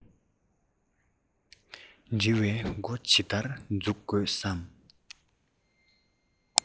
འབྲི བའི མགོ ཇི ལྟར འཛུགས དགོས སམ